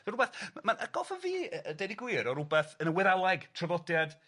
fe- rwbeth ma'n atgofio fi yy yy deud y gwir o rywbeth yn y Wyddaleg, traddodiad